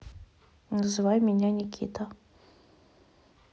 называй меня никита